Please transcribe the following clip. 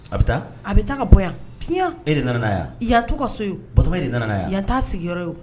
A bɛ taa a bɛ taa ka bɔ yan piyan e de na na n'a ye wa yan t'o ka so ye o Batoma e de na na n'a ye wa yan t'a sigiyɔrɔ ye.